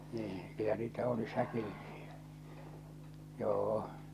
niin kyllä niitä oli säkillisiä joo